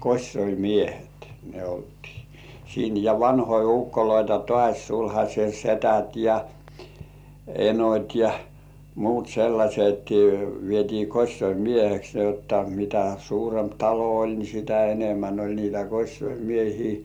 kosiomiehet ne oltiin siinä ja vanhoja ukkoja taas sulhasen sedät ja enot ja muut sellaiset vietiin kosiomieheksi niin jotta mitä suurempi talo oli niin sitä enemmän oli niitä kosiomiehiä